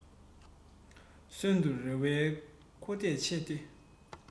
གསོན དུ རེ བའི ཁོ ཐག ཆད དེ